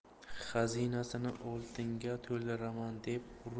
xazinasini oltinga to'ldiraman deb urush